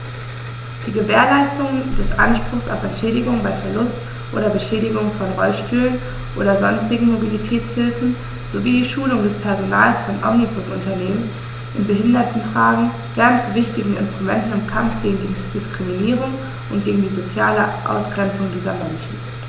Die Gewährleistung des Anspruchs auf Entschädigung bei Verlust oder Beschädigung von Rollstühlen oder sonstigen Mobilitätshilfen sowie die Schulung des Personals von Omnibusunternehmen in Behindertenfragen werden zu wichtigen Instrumenten im Kampf gegen Diskriminierung und gegen die soziale Ausgrenzung dieser Menschen.